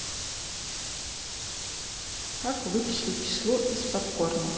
как вычислить число из под корня